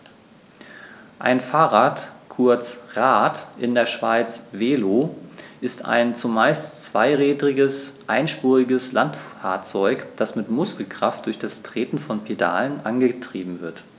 Ein Fahrrad, kurz Rad, in der Schweiz Velo, ist ein zumeist zweirädriges einspuriges Landfahrzeug, das mit Muskelkraft durch das Treten von Pedalen angetrieben wird.